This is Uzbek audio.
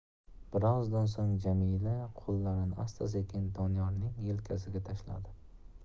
birozdan so'ng jamila qo'llarini asta sekin doniyorning yelkasiga tashladi